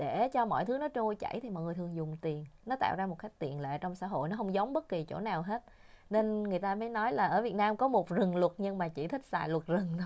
để cho mọi thứ nó trôi chảy thì mọi người thường dùng tiền nó tạo ra một cách tiện lợi trong xã hội nó không giống bất kỳ chỗ nào hết nên người ta mới nói là ở việt nam có một rừng luật nhưng mà chỉ thích xài luật rừng thôi